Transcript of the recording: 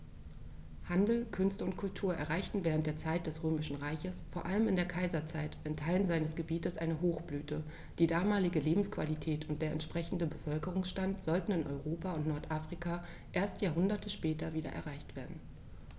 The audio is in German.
Handel, Künste und Kultur erreichten während der Zeit des Römischen Reiches, vor allem in der Kaiserzeit, in Teilen seines Gebietes eine Hochblüte, die damalige Lebensqualität und der entsprechende Bevölkerungsstand sollten in Europa und Nordafrika erst Jahrhunderte später wieder erreicht werden.